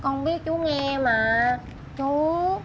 con biết chú nghe mà chú